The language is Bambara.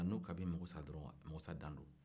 n'o k'o bɛ e mago sa dɔrɔn magosa dan do